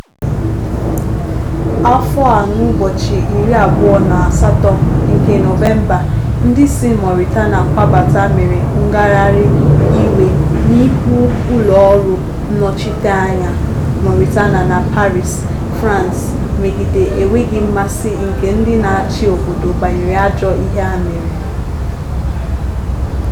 Afọ a n'ụbọchị 28 nke Nọvemba, ndị si Mauritania kwabata mere ngagharị iwe n'ihu ụlọ ọrụ nnọchiteanya Mauritania na Paris, France, megide enweghị mmasị nke ndị na-achị obodo banyere ajọ ihe a mere.